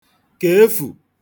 kèefù